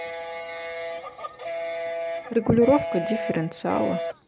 регулировка дифференциала